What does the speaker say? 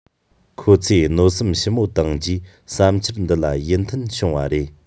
ཁོང ཚོས མནོ བསམ ཞིབ མོ བཏང རྗེས བསམ འཆར འདི ལ ཡིད མཐུན བྱུང བ རེད